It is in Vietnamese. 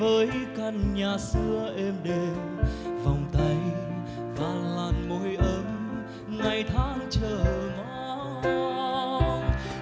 với căn nhà xưa êm đềm vòng tay và làn môi ấm ngày tháng chờ mong